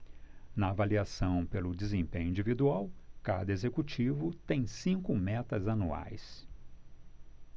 na avaliação pelo desempenho individual cada executivo tem cinco metas anuais